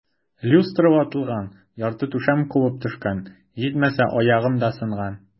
Люстра ватылган, ярты түшәм кубып төшкән, җитмәсә, аягым да сынган.